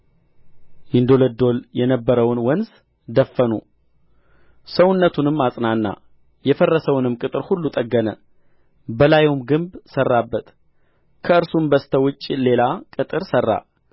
ይንዶለዶል የነበረውን ወንዝ ደፈኑ ሰውነቱንም አጸናና የፈረሰውንም ቅጥር ሁሉ ጠገነ በላዩም ግንብ ሠራበት ከእርሱም በስተ ውጭ ሌላ ቅጥር ሠራ